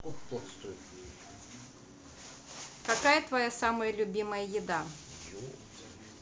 какая твоя самая любимая еда